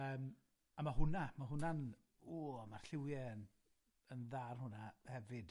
Yym, a ma' hwnna, ma' hwnna'n, ww, ma'r lliwie yn, yn dda ar hwnna hefyd.